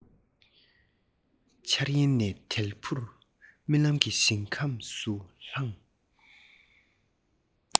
འཆར ཡན ནས དལ བུར རྨི ལམ གྱི ཞིང ཁམས སུ ལྷུང